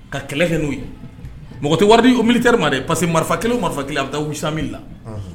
Ka kɛlɛ kɛ n'u ye mɔgɔto wari milikɛ ma de parce que marifa kelen marifa kelen bɛ taasa mila